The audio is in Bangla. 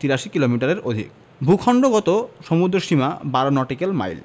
৪৮৩ কিলোমিটারের অধিক ভূখন্ডগত সমুদ্রসীমা ১২ নটিক্যাল মাইল